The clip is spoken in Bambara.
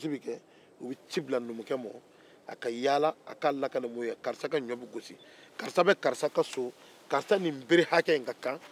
ka yaala a ka lakalen mɔgɔw ye karisa ka ɲɔ bɛ gosi karisa bɛ karisa ka so karisa ni nin bere hakɛ in ka kan